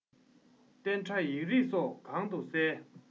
གཏན ཁྲ ཡིག རིགས སོགས གང དུ གསལ